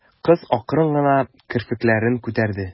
Кыз акрын гына керфекләрен күтәрде.